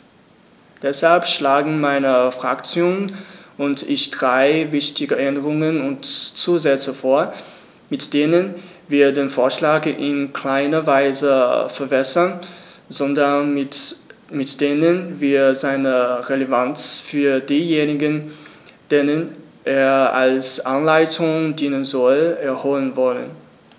Deshalb schlagen meine Fraktion und ich drei wichtige Änderungen und Zusätze vor, mit denen wir den Vorschlag in keiner Weise verwässern, sondern mit denen wir seine Relevanz für diejenigen, denen er als Anleitung dienen soll, erhöhen wollen.